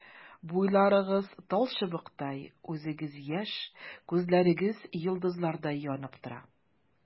Буйларыгыз талчыбыктай, үзегез яшь, күзләрегез йолдызлардай янып тора.